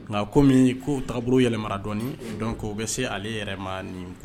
Nka ko ko u tagauru yɛlɛra dɔn u bɛ se ale yɛrɛma nin ko